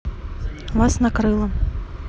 вас накрыло